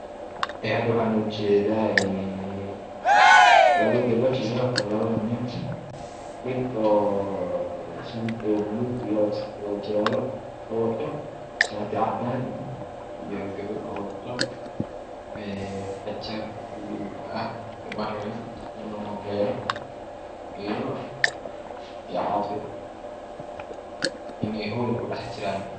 Ee hada waxan ujeeda laba gabar iyo laba nin oo oo wato xijab balug ah iyo mobelo oo mel hola ku dhex jiran